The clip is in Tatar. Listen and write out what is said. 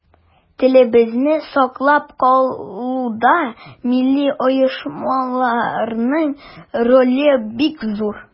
Телебезне саклап калуда милли оешмаларның роле бик зур.